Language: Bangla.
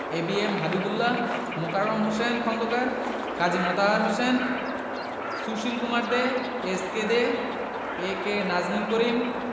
A B M Habibullah Mokarram Hossain Khondkar Kazi Motahar Hossain Sushil Kumar De S K De A K Nazmul Karim